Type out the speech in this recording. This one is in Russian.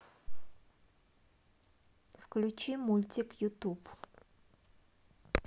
включи мультик ютуб